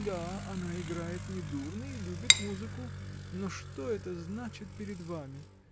-- Да, она играет недурно и любит музыку; но что это значит перед вами?